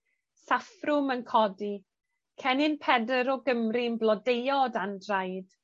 Saffrwm yn codi, cennin Pedr o Gymru'n blodeuo o dan draed.